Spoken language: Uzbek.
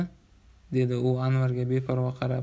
dedi u anvarga beparvo qarab